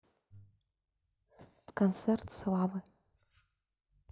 концерт славы